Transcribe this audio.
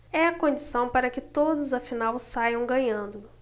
é a condição para que todos afinal saiam ganhando